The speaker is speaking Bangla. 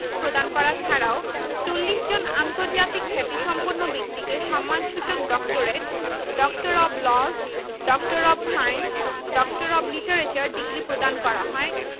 প্রতিষ্ঠার পর থেকে ঢাকা বিশ্ববিদ্যালয়ে ৪৫টি সাধারণ সমাবর্তন এবং বেশ কয়েকটি বিশেষ সমাবর্তন অনুষ্ঠিত হয় এসব সমাবর্তনে বিশ্ববিদ্যালয় থেকে পাশ করা ছাত্রছাত্রীদের ডিগ্রি